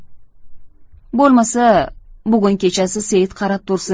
bo'lmasa bugun kechasi seit qarab tursin